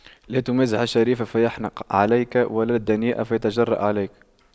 لا تمازح الشريف فيحنق عليك ولا الدنيء فيتجرأ عليك